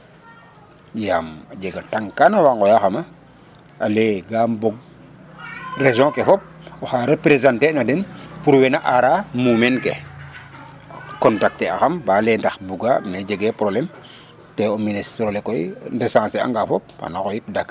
yaam a jega taŋ kana wa ŋoya xama a leye ga mbug région ke fop oxa représenter tena den pour wena ara mumeen ke contacter axam ba leye ndax buga me jege problème te ministre ole koy i resencer anga fop xan xoyit